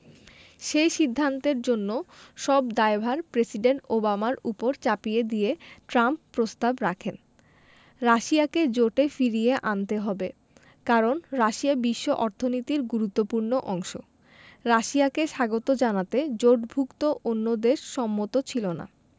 সে সিদ্ধান্তের জন্য সব দায়ভার প্রেসিডেন্ট ওবামার ওপর চাপিয়ে দিয়ে ট্রাম্প প্রস্তাব রাখেন রাশিয়াকে জোটে ফিরিয়ে আনতে হবে কারণ রাশিয়া বিশ্ব অর্থনীতির গুরুত্বপূর্ণ অংশ রাশিয়াকে স্বাগত জানাতে জোটভুক্ত অন্য দেশ সম্মত ছিল না